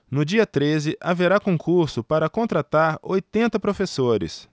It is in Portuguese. no dia treze haverá concurso para contratar oitenta professores